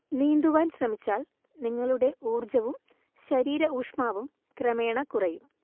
നീന്തുവാൻ ശ്രമിച്ചാൽ നിങ്ങളുടെ ഊർജവും ശരീര ഊഷ്മാവും ക്രമേണ കുറയും